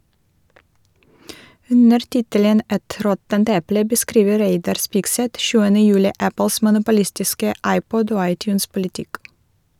Under tittelen «Et råttent eple» beskriver Reidar Spigseth 7. juli Apples monopolistiske iPod- og iTunes-politikk.